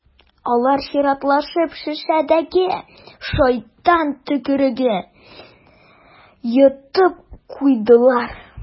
Алар чиратлашып шешәдәге «шайтан төкереге»н йотып куйдылар.